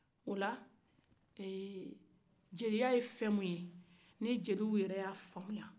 o la jeliya ye fen min ye ni jeliw yɛrɛ ya famu